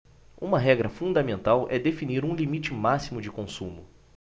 uma regra fundamental é definir um limite máximo de consumo